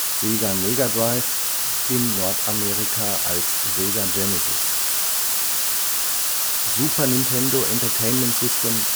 Sega Mega Drive, in Nordamerika Sega Genesis (16 Bit) Super Nintendo Entertainment System